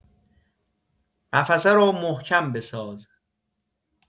قفسه رو محکم بساز.